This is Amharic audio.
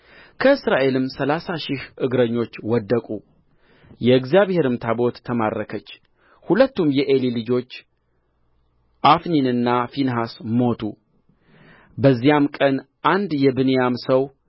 ከእስራኤልም ሠላሳ ሺህ እግረኞች ወደቁ የእግዚአብሔርም ታቦት ተማረከች ሁለቱም የዔሊ ልጆች አፍኒንና ፊንሐስ ሞቱ በዚያም ቀን አንድ የብንያም ሰው